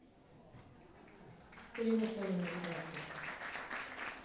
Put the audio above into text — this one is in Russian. перевод по номеру карты